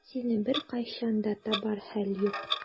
Сине беркайчан да табар хәл юк.